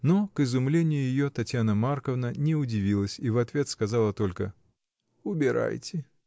Но, к изумлению ее, Татьяна Марковна не удивилась и в ответ сказала только: — Убирайте!